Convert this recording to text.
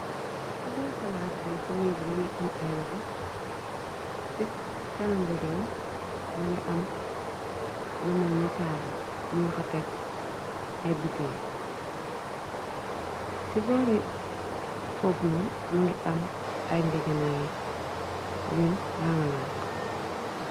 ci biir palaas bi ci mer bi më ngi am ay rdoci kanam rido yi mëngi am lu melni taaba ñum fa tekk ay butieen ci boore fofno më ngi am ay ngegenay yun rangaland